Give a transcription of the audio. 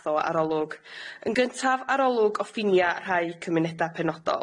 i yym i'r iaith ag i i'n gallu ni i i gyfathrebu efo'n